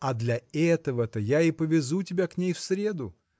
– А для этого-то я и повезу тебя к ней в среду.